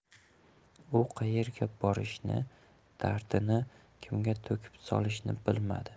u qaerga borishni dardini kimga to'kib solishni bilmadi